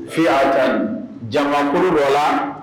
Fiatann, jamakulu dɔ la